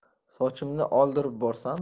sochimni oldirib borsam